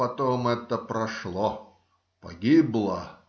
Потом это прошло, погибло.